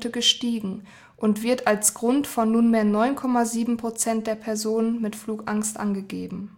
gestiegen und wird als Grund von nunmehr 9,7 % der Personen mit Flugangst angegeben